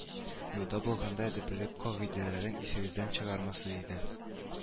Юлда булганда әдәплелек кагыйдәләрен исегездән чыгармасагыз иде